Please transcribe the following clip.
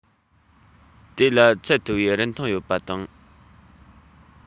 དེ ལ ཚད མཐོ བའི རིན ཐང ཡོད པ དང